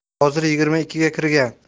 hozir yigirma ikkiga kirgan